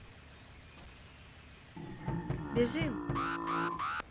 бежим